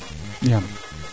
ndupa tir ne